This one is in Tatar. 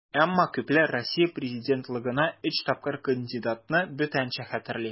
Әмма күпләр Россия президентлыгына өч тапкыр кандидатны бүтәнчә хәтерли.